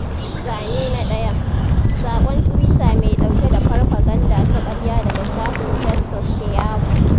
Zane na 1: Saƙon tuwita mai ɗauke da farfaganda ta ƙarya daga shafin Festus Keyamo